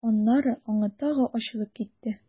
Аннары аңы тагы ачылып китте.